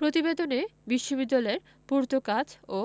প্রতিবেদনে বিশ্ববিদ্যালয়ের পূর্তকাজ ও